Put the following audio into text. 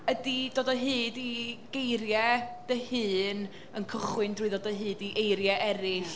ydy dod o hyd i geiriau dy hun yn cychwyn drwy ddod o hyd i eiriau eraill... ia.